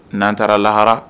N'an taara lahara